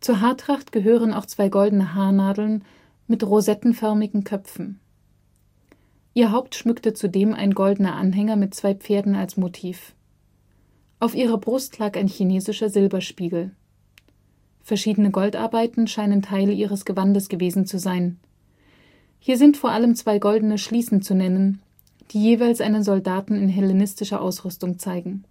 Haartracht gehören auch zwei goldene Haarnadeln mit rosettenförmigen Köpfen. Ihr Haupt schmückte zudem ein goldener Anhänger mit zwei Pferden als Motiv. Auf ihrer Brust lag ein chinesischer Silberspiegel. Verschiedene Goldarbeiten scheinen Teile ihres Gewandes gewesen zu sein. Hier sind vor allem zwei goldene Schließen zu nennen, die jeweils einen Soldaten in hellenistischer Ausrüstung zeigen